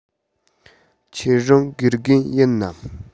ཁྱེད རང དགེ རྒན ཡིན ནམ